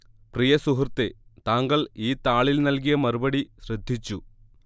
പ്രിയ സുഹൃത്തേ താങ്കൾ ഈ താളിൽ നൽകിയ മറുപടി ശ്രദ്ധിച്ചു